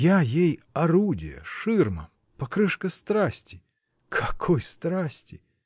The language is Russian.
Я ей — орудие, ширма, покрышка страсти. Какой страсти!